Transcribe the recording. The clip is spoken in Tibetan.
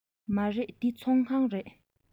མ རེད འདི ཚོང ཁང རེད